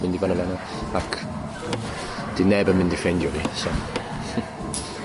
mynd i fyny fyna acdyw neb yn mynd i ffeindio fi so.